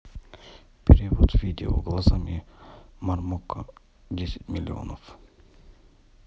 перевод видео глазами мармока десять миллионов